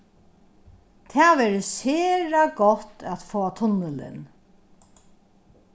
tað verður sera gott at fáa tunnilin